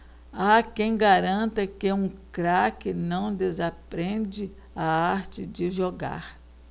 há quem garanta que um craque não desaprende a arte de jogar